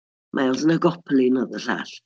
Myles na gCopaleen oedd y llall.